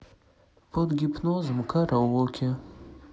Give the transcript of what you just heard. под гипнозом караоке